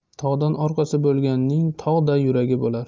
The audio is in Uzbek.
tog'dan orqasi bo'lganning tog'day yuragi bo'lar